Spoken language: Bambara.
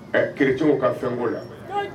Kicogo ka fɛn'o la